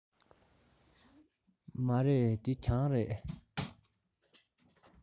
མ རེད འདི གྱང རེད